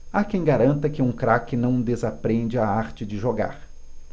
há quem garanta que um craque não desaprende a arte de jogar